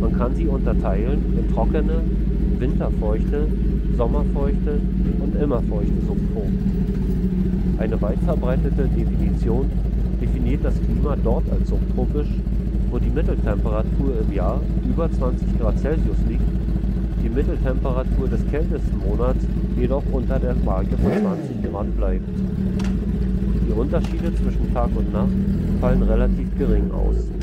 kann sie unterteilen in trockene, winterfeuchte, sommerfeuchte und immerfeuchte Subtropen. Eine weitverbreitete Definition definiert das Klima dort als subtropisch, wo die Mitteltemperatur im Jahr über 20 Grad Celsius liegt, die Mitteltemperatur des kältesten Monats jedoch unter der Marke von 20 Grad bleibt. Die Unterschiede zwischen Tag und Nacht fallen relativ gering aus